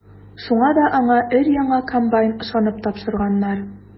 Шуңа да аңа өр-яңа комбайн ышанып тапшырганнар.